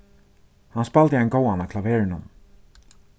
hann spældi ein góðan á klaverinum